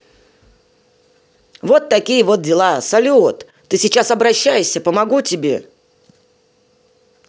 вот такие вот дела салют ты сейчас обращайся помогу тебе